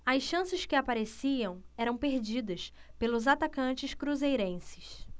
as chances que apareciam eram perdidas pelos atacantes cruzeirenses